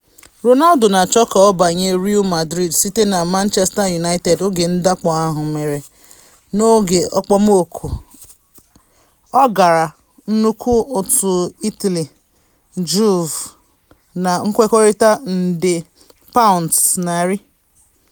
Ronaldo na-achọ ka ọ banye Real Madrid site na Manchester United oge ndakpo ahụ mere, na n’oge okpomọkụ a, ọ gara nnukwu otu Italy, Juve na nkwekọrịta nde €100.